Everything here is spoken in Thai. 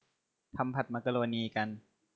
ทำผัดมักโรนีกัน